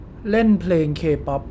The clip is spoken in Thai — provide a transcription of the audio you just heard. เล่นเพลงเคป๊อป